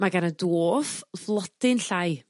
Mae gan y dwarf flodyn llai